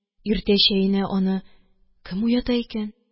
Иртә чәенә аны кем уята икән